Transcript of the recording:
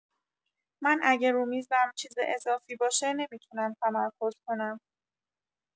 من اگه رو میزم چیز اضافی باشه نمی‌تونم تمرکز کنم